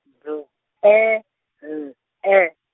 B E L E.